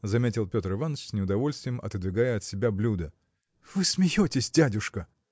– заметил Петр Иваныч с неудовольствием, отодвигая от себя блюдо. – Вы смеетесь, дядюшка?